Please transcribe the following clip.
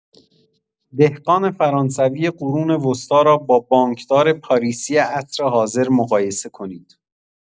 دهقان فرانسوی قرون وسطی را با بانکدار پاریسی عصر حاضر مقایسه کنید.